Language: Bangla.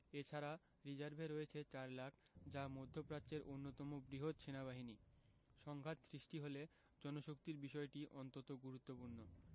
এ ছাড়া রিজার্ভে রয়েছে ৪ লাখ যা মধ্যপ্রাচ্যের অন্যতম বৃহৎ সেনাবাহিনী সংঘাত সৃষ্টি হলে জনশক্তির বিষয়টি অন্তত গুরুত্বপূর্ণ